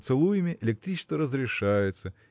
поцелуями электричество разрешается